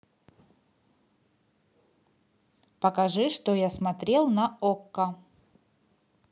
покажи что я смотрел на окко